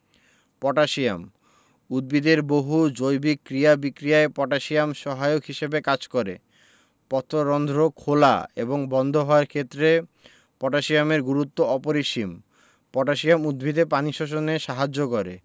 potassium উদ্ভিদের বহু জৈবিক ক্রিয়া বিক্রিয়ায় পটাশিয়াম সহায়ক হিসেবে কাজ করে পত্ররন্ধ্র খোলা এবং বন্ধ হওয়ার ক্ষেত্রে পটাশিয়ামের গুরুত্ব অপরিসীম পটাশিয়াম উদ্ভিদে পানি শোষণে সাহায্য করে